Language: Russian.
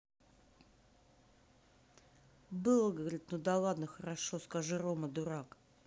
было говорит ну ладно хорошо скажи рома дурак